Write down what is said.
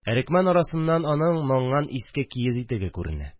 Әрекмән арасыннан аның манган иске киез итеге күренә